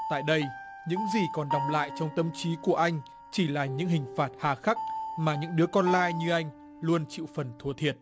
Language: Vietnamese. tại đây những gì còn đọng lại trong tâm trí của anh chỉ là những hình phạt hà khắc mà những đứa con lai như anh luôn chịu phần thua thiệt